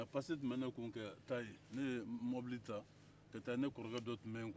pase tun bɛ n ne kun ka taa yen ne ye mobili ta ne kɔrɔke dɔ tun bɛ yen kuwa